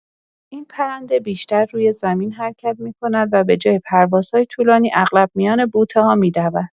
این پرنده بیشتر روی زمین حرکت می‌کند و به‌جای پروازهای طولانی، اغلب میان بوته‌ها می‌دود.